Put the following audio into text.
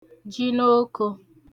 jinokō